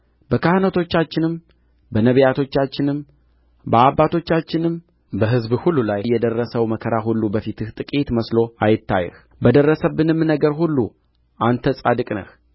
በካህናቶቻችንም በነቢያቶቻችንም በአባቶቻችንም በሕዝብህ ሁሉ ላይ የደረሰው መከራ ሁሉ በፊትህ ጥቂት መስሎ አይታይህ በደረሰብንም ነገር ሁሉ አንተ ጻድቅ ነህ